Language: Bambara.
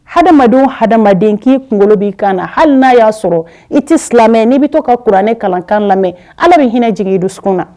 Hadamadenw hadamadamaden k'i kunkolo b'i kan na hali n'a y'a sɔrɔ i tɛ silamɛ n'i bɛ to ka kuranɛ kalankan lamɛn Ala bɛ hinɛ jigin i dusukun na